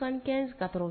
San kɛ ka dɔrɔn